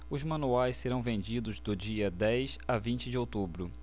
os manuais serão vendidos do dia dez a vinte de outubro